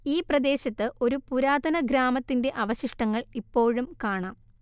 ഈ പ്രദേശത്ത് ഒരു പുരാതന ഗ്രാമത്തിന്റെ അവശിഷ്ടങ്ങൾ ഇപ്പോഴും കാണാം